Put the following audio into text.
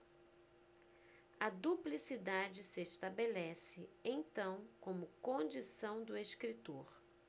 a duplicidade se estabelece então como condição do escritor